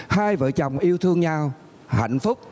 hai vợ chồng yêu thương nhau hạnh phúc